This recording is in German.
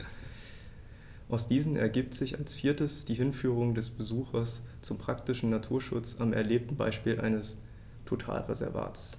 Aus diesen ergibt sich als viertes die Hinführung des Besuchers zum praktischen Naturschutz am erlebten Beispiel eines Totalreservats.